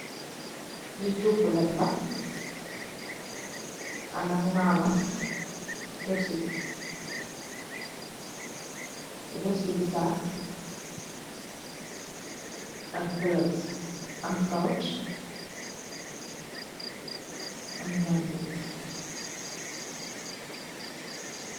Lii cu bulet la ande ak malo, yu def si, yu def si bisaab, ak bulet, am karot, am nyambi.